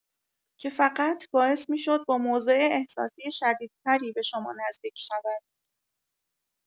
که فقط باعث می‌شد با موضع احساسی شدیدتری به شما نزدیک شود.